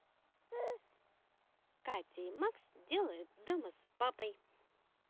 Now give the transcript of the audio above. катя и макс делают дома с папой